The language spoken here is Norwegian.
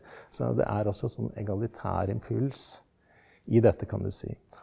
sånn at det er altså en sånn egalitær impuls i dette kan du si.